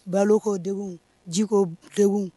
Baloko de jiko de